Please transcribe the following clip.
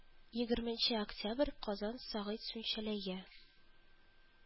Егерменче октябрь, казан сәгыйть сүнчәләйгә